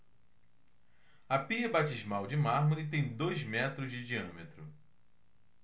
a pia batismal de mármore tem dois metros de diâmetro